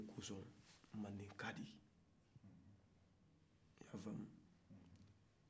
bon odekɔsɔ manden kadi